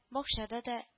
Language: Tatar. Бакчада да